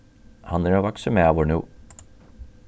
hann er ein vaksin maður nú